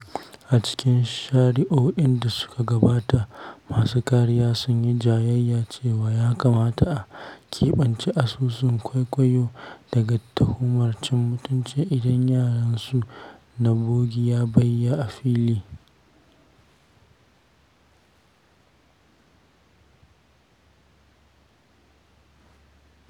A cikin shari'o'in da suka gabata, masu kariya sun yi jayayya cewa ya kamata a keɓance asusun kwaikwayo daga tuhumar cin mutunci idan yanayinsu na bogi ya bayya a fili.